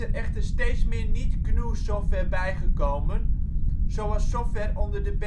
echter steeds meer niet-GNU-software bijgekomen (zoals software onder de